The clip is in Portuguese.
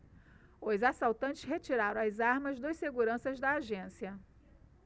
os assaltantes retiraram as armas dos seguranças da agência